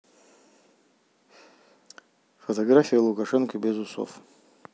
фотография лукашенко без усов